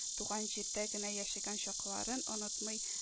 Туган җирдә генә яшәгән чакларын онытмый